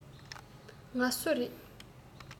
ང སུ རེད